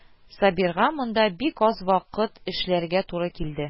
Сабирга монда бик аз вакыт эшләргә туры килде